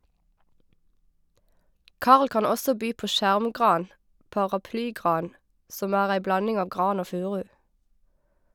Karl kan også by på skjermgran (paraplygran) , som er ei blanding av gran og furu.